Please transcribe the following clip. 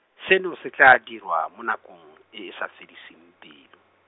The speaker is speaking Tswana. seno se tla dirwa mo nakong e sa fediseng pelo.